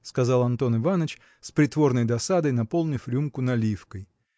– сказал Антон Иваныч с притворной досадой, наполнив рюмку наливкой.